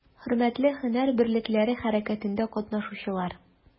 Хөрмәтле һөнәр берлекләре хәрәкәтендә катнашучылар!